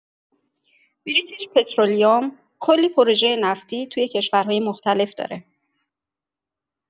بریتیش‌پترولیوم کلی پروژه نفتی توی کشورای مختلف داره.